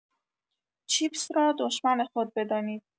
چیپس را دشمن خود بدانید.